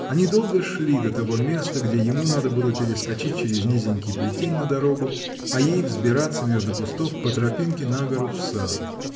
Они долго шли до того места, где ему надо было перескочить через низенький плетень на дорогу, а ей взбираться между кустов, по тропинке, на гору, в сад.